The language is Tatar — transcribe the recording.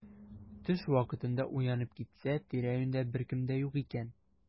Төш вакытында уянып китсә, тирә-юньдә беркем дә юк икән.